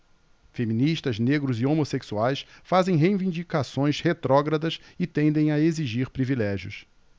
feministas negros e homossexuais fazem reivindicações retrógradas e tendem a exigir privilégios